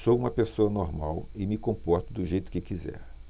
sou homossexual e me comporto do jeito que quiser